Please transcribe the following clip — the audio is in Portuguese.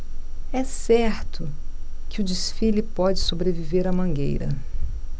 é certo que o desfile pode sobreviver à mangueira